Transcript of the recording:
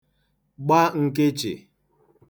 gba nkịchị̀